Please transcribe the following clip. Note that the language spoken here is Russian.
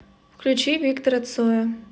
включи виктора цоя